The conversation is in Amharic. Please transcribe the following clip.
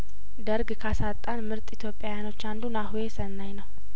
ደርግ ካሳጣንምርጥ ኢትዮጵያ ውያኖች አንዱ ናሆሰናይ ነው